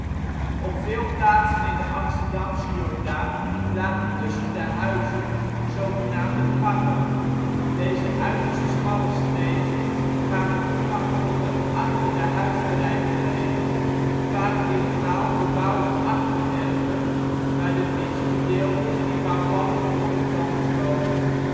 veel plaatsen in de Amsterdamse Jordaan lagen tussen de huizen zogenaamde ‘gangen’. Deze uiterst smalle stegen gaven toegang tot de achter de huizenrij gelegen (vaak illegaal) bebouwde achtererven, waar de minstbedeelden in bouwvallige onderkomens woonden